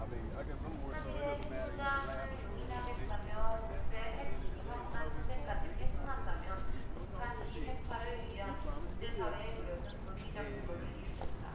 한 일의 핵무장을 용인하겠다며 국제 핵 비확산 체제까지 훼손한다면 북한 비핵화를 위한 국제사회의 노력은 논리적 근거를 잃는다